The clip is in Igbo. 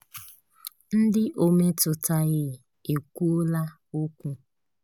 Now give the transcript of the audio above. Ndị o metụtaghị ekwuola okwu